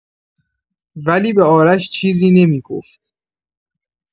ولی به آرش چیزی نمی‌گفت.